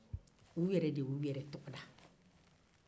u y'u yɛrɛ tɔgɔ da